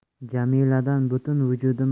jamiladan butun vujudim